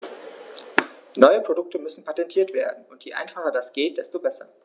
Neue Produkte müssen patentiert werden, und je einfacher das geht, desto besser.